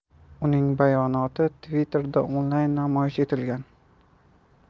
uning bayonoti twitter'da onlayn namoyish etilgan